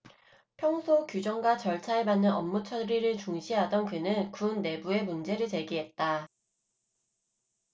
평소 규정과 절차에 맞는 업무 처리를 중시하던 그는 군 내부에 문제를 제기했다